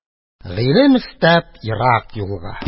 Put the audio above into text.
Гыйлем эстәп, ерак юлга